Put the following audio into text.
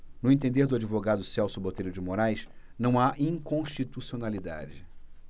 no entender do advogado celso botelho de moraes não há inconstitucionalidade